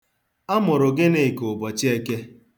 A mụrụ Gịnịka ụbọchị Eke.